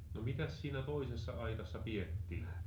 no mitäs siinä toisessa aitassa pidettiin